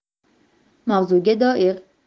mavzuga doir